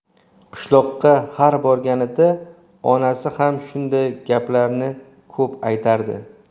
qishloqqa har borganida onasi ham shunday gaplarni ko'p aytardi